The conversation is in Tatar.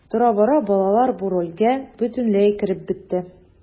Тора-бара балалар бу рольгә бөтенләй кереп бетте.